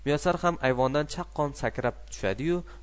muyassar ham ayvondan chaqqon sakrab tushadi yu